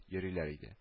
Йөриләр иде